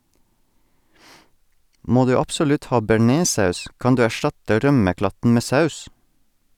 Må du absolutt ha bearnéssaus, kan du erstatte rømmeklatten med saus.